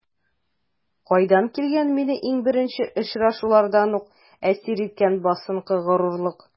Кайдан килгән мине иң беренче очрашулардан үк әсир иткән басынкы горурлык?